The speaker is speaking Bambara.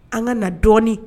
An ka na dɔɔnin